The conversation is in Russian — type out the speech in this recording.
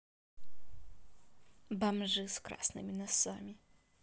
бомжи с красными носами